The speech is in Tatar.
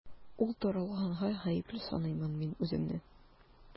Ул таралганга гаепле саныймын мин үземне.